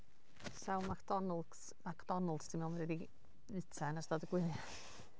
Sawl McDonalds McDonalds Ti'n meddwl fyddi di 'di byta yn ystod y gwylia?